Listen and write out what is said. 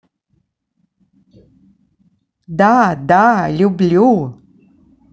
да да люблю